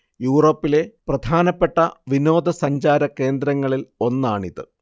യൂറോപ്പിലെ പ്രധാനപ്പെട്ട വിനോദ സഞ്ചാര കേന്ദ്രങ്ങളിൽ ഒന്നാണിത്